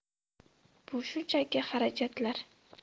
bu shunchaki xarajatlar